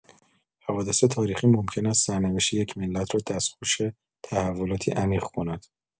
حوادث تاریخی ممکن است سرنوشت یک ملت را دستخوش تحولاتی عمیق کند.